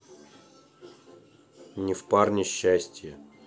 не в парне счастье